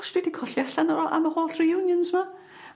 Gosh dwi 'di colli allan yr o- am y holl reunions 'ma.